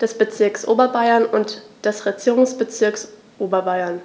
des Bezirks Oberbayern und des Regierungsbezirks Oberbayern.